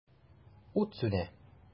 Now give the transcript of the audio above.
Ут сүнә.